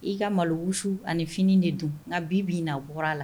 I ka malo wusu ani fini de dun nka bi bi na bɔra a la